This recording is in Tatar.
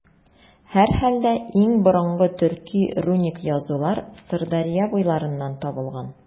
Һәрхәлдә, иң борынгы төрки руник язулар Сырдәрья буйларыннан табылган.